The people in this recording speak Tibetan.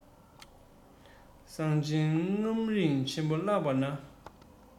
གསང ཆེན སྔགས རིམ ཆེན མོ བཀླགས པ ན